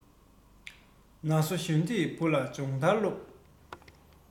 ན སོ གཞོན དུས བུ ལ སྦྱོང ཐར སློབས